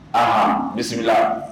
Ahannn bisimila